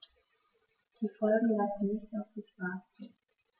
Die Folgen lassen nicht auf sich warten.